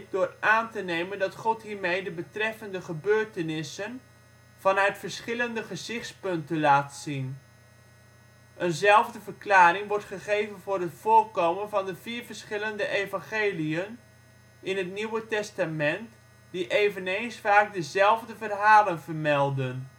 door aan te nemen dat God hiermee de betreffende gebeurtenissen vanuit verschillende gezichtspunten laat zien. Een zelfde verklaring wordt gegeven voor het voorkomen van de vier verschillende evangeliën in het Nieuwe Testament die eveneens vaak dezelfde verhalen vermelden